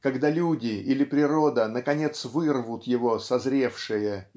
когда люди или природа наконец вырвут его созревшее